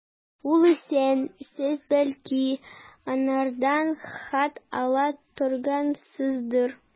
Ул исән, сез, бәлки, аңардан хат ала торгансыздыр.